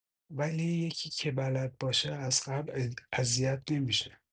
ولی یکی که بلد باشه از قبل اذیت نمی‌شه